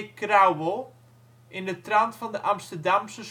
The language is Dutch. Crouwel in de trant van de Amsterdamse